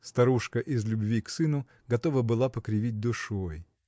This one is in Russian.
(Старушка, из любви к сыну, готова была покривить душой.